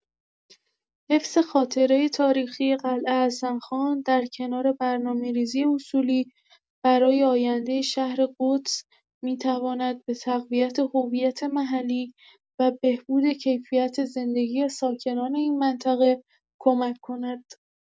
حفظ خاطره تاریخی قلعه حسن‌خان در کنار برنامه‌ریزی اصولی برای آینده شهر قدس، می‌تواند به تقویت هویت محلی و بهبود کیفیت زندگی ساکنان این منطقه کمک کند.